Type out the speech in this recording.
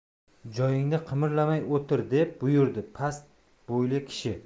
joyingda qimirlamay o'tir deb buyurdi past bo'yli kishi